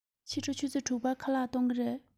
ཕྱི དྲོ ཆུ ཚོད དྲུག པར ཁ ལག གཏོང གི རེད